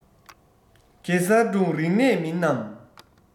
གེ སར སྒྲུང རིག གནས མིན ནམ